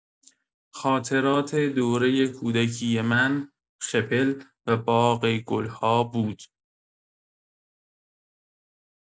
خاطرات دورۀ کودکی من، خپل و باغ گل‌ها بود.